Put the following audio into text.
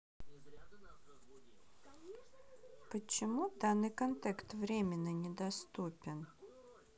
почему данный контент временно недоступен